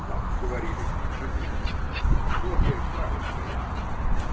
Так говорили жиды – Слог я исправил для ясности.